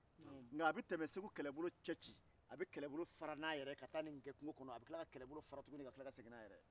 a bɛ segu kɛlɛbolo fara ka taa nin kɛ ka tila kɛlɛbolo fara ka segin n'a yɛrɛ ye